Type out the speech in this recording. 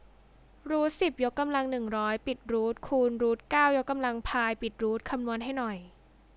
รูทสิบยกกำลังหนึ่งร้อยปิดรูทคูณรูทเก้ายกกำลังพายปิดรูทคำนวณให้หน่อย